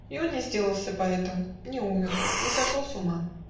И он не сделался поэтом, Не умер, не сошел с ума.